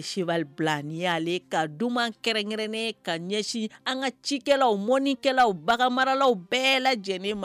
Si bali bilaale ka dumuni kɛrɛn-kɛrɛnnen ka ɲɛsin an ka cikɛlaw mɔnikɛlaw bagan mararalaw bɛɛ lajɛlen ma